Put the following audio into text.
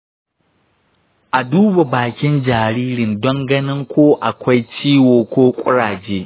a duba bakin jariri don ganin ko akwai ciwo ko kuraje.